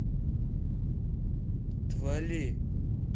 отвали